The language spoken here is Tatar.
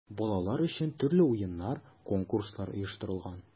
Балалар өчен төрле уеннар, конкурслар оештырылган.